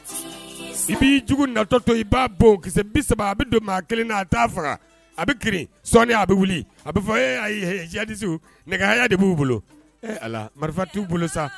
I b'i jugu natɔ to i b'a bon bon kisɛ 30 a bɛ don maa kelen na a t'a faga, a bɛ kirin sɔɔnin a bɛ wuli, a bɛ fɔ e djihadistes nɛgɛhaya de b'u bolo, e Ala t'u bolo sa